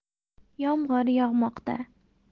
yomg'ir yog'moqda